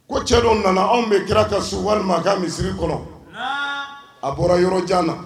Ko cɛ dɔ nana anw bɛ kira ka su walima ma ka misisiriri kɔnɔ a bɔra yɔrɔ jan na